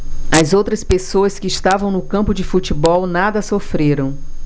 as outras pessoas que estavam no campo de futebol nada sofreram